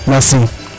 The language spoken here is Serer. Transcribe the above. Merci